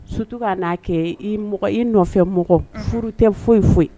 Sutu ka n'a kɛ i i nɔfɛ mɔgɔ furu tɛ foyi ye foyi